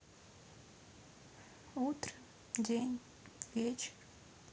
утро день вечер